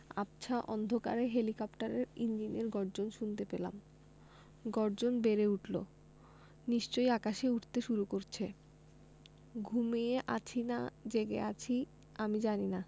আবছা অন্ধকারে হেলিকপ্টারের ইঞ্জিনের গর্জন শুনতে পেলাম গর্জন বেড়ে উঠলো নিশ্চয়ই আকাশে উড়তে শুরু করছে ঘুমিয়ে আছি না জেগে আছি আমি জানি না